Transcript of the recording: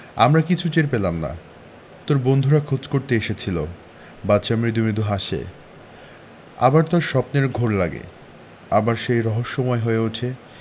আমরা কিচ্ছু টের পেলাম না তোর বন্ধুরা খোঁজ করতে এসেছিলো বাদশা মৃদু মৃদু হাসে আবার তার স্বপ্নের ঘোর লাগে আবার সে রহস্যময় হয়ে উঠে